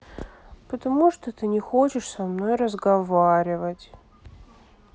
потому что ты не хочешь со мной разговаривать